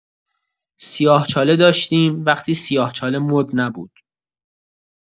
سیاه‌چاله داشتیم وقتی سیاه‌چاله مد نبود!